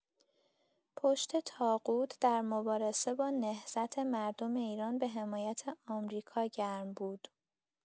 پشت طاغوت در مبارزه با نهضت مردم ایران به حمایت آمریکا گرم بود.